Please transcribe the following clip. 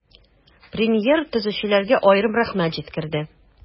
Премьер төзүчеләргә аерым рәхмәт җиткерде.